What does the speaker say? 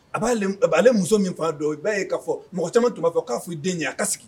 A b'a b'ale muso min' dɔn i b'a ye k' fɔ mɔgɔ caman tun b'a k'a f' i den ye a ka sigi